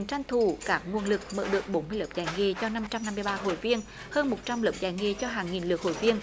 tranh thủ các nguồn lực mở được bốn mươi lớp dạy nghề cho năm trăm năm mươi ba hội viên hơn một trăm lớp dạy nghề cho hàng nghìn lượt hội viên